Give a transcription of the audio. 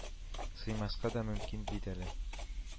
Сыймаска да мөмкин бит әле